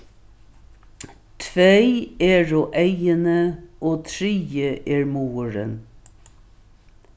tvey eru eyguni og triði er muðurin